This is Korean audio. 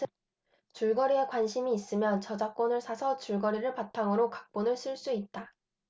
줄거리에 관심이 있으면 저작권을 사서 줄거리를 바탕으로 각본을 쓸 수 있다